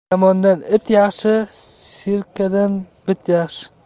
yomondan it yaxshi sirkadan bit yaxshi